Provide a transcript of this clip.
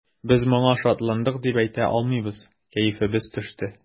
Без моңа шатландык дип әйтә алмыйбыз, кәефебез төште.